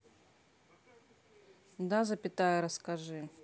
да запятая расскажи